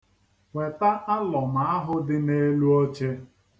Weta alọm ahụ dị n'elu oche.